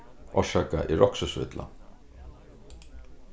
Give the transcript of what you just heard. orsaka eg roksi so illa